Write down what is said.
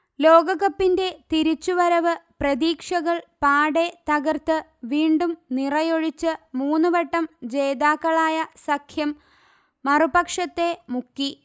ലോകകപ്പിന്റെ തിരിച്ചുവരവ് പ്രതീക്ഷകൾ പാടേ തകർത്ത് വീണ്ടും നിറയൊഴിച്ച് മൂന്നുവട്ടം ജേതാക്കളായ സഖ്യം മറുപക്ഷത്തെ മുക്കി